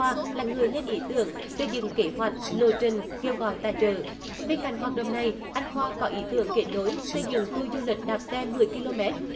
khoa là người lên ý tưởng xây dựng kế hoạch lộ trình kêu gọi tài trợ bên cạnh hoạt động này anh khoa có ý tưởng kết nối xây dựng tua du lịch đạp xe mười ki lô mét